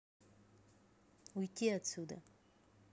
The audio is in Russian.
уйти отсюда